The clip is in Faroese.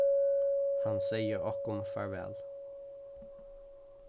hann segði okkum farvæl